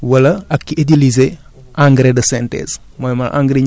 jël ko def ko sama tool wala ak ci utiliser